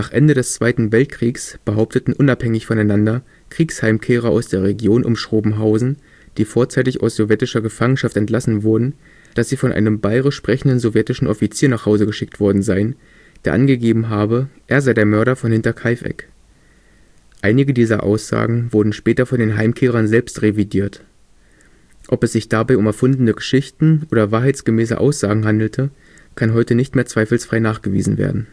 Ende des Zweiten Weltkriegs behaupteten unabhängig voneinander Kriegsheimkehrer aus der Region um Schrobenhausen, die vorzeitig aus sowjetischer Gefangenschaft entlassen wurden, dass sie von einem bairisch sprechenden sowjetischen Offizier nach Hause geschickt worden seien, der angegeben habe, er sei der Mörder von Hinterkaifeck. Einige dieser Aussagen wurden später von den Heimkehrern selbst revidiert. Ob es sich dabei um erfundene Geschichten oder wahrheitsgemäße Aussagen handelte, kann heute nicht mehr zweifelsfrei nachgewiesen werden